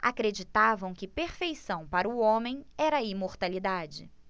acreditavam que perfeição para o homem era a imortalidade